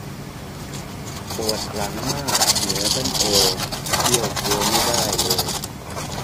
ปวดหลังมากเหนือบั้นเอวเอี้ยวตัวไม่ได้เลย